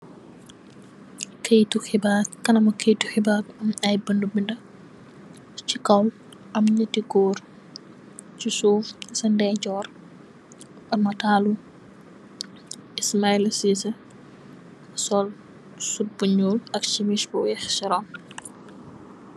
Kayitu xibaar, si kanamu kayiti xibaar bi am ay ben-ben, ci kaw am nyatti goor, ci suuf ci ndeyjoor am nataalu Ismaila Siise, sol sut bu nyuul ak simis bu weex si roon,